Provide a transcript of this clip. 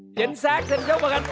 chính xác xin chúc mừng anh